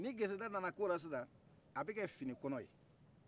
ni geseda nana k'ora sisan a bɛ kɛ fini kɔnɔye